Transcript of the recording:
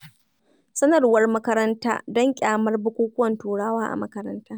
Sanarwar makaranta don ƙyamar bukukuwan Turawa a makaranta.